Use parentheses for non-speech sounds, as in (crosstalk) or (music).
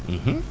(hesitation) (hesitation)